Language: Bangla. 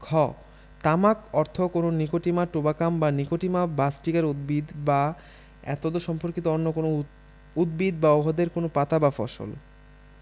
খ তামাক অর্থ কোন নিকোটিমা টোবাকাম বা নিকোটিমা বাসটিকার উদ্ভিদ বা এতদ্ সম্পর্কিত অন্য কোন উদ্ভিদ বা উহাদের কোন পাতা বা ফসল